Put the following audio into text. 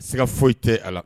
Sika fosi tɛ a la